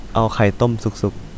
เอาไข่ต้มสุกสุก